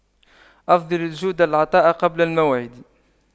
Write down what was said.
أفضل الجود العطاء قبل الموعد